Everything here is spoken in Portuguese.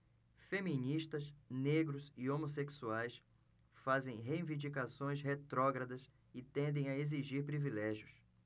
feministas negros e homossexuais fazem reivindicações retrógradas e tendem a exigir privilégios